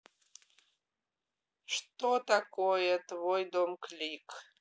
что такое дом клик